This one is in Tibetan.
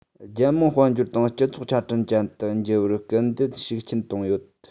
རྒྱལ དམངས དཔལ འབྱོར དང སྤྱི ཚོགས ཆ འཕྲིན ཅན དུ འགྱུར བར སྐུལ འདེད ཤུགས ཆེན གཏོང དགོས